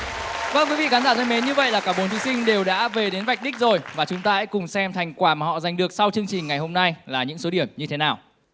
vâng quý vị khán giả thân mến như vậy là cả bốn thí sinh đều đã về đến vạch đích rồi và chúng ta hãy cùng xem thành quả mà họ giành được sau chương trình ngày hôm nay là những số điểm như thế nào